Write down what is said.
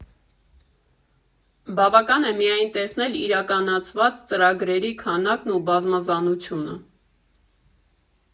Բավական է միայն տեսնել իրականացված ծրագրերի քանակն ու բազմազանությունը.